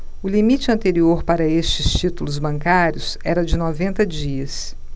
o limite anterior para estes títulos bancários era de noventa dias